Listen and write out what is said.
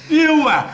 yêu à